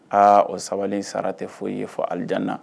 Aa o sabali sara tɛ foyi ye fɔ alidna